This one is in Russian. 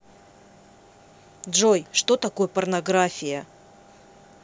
джой что такое порнография